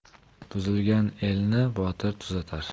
buzilgan elni botir tuzatar